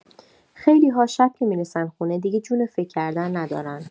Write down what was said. خیلی‌ها شب که می‌رسن خونه، دیگه جون فکر کردن ندارن.